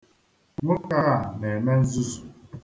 Nwoke a na-eme nzuzu.